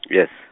yes.